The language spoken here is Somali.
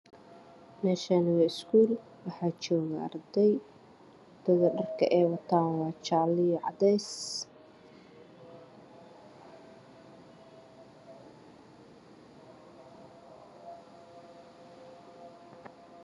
Meeshaan waa iskuul waxaa joogo arday dharka ay wataan waa jaalo iyo cadeys.